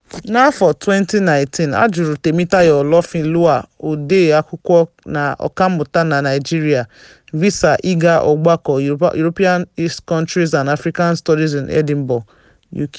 N'afọ 2019, a jụrụ Temitayo Olofinlua, odee akwụkwọ na ọkàmmụta na Naịjirịa, visa ịga ogbako European Conference on African Studies na Edinburgh, UK.